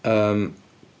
Yym...